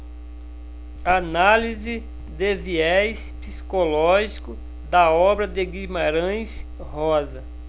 análise de viés psicológico da obra de guimarães rosa